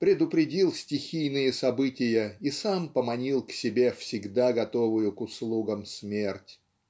предупредил стихийные события и сам поманил к себе всегда готовую к услугам смерть.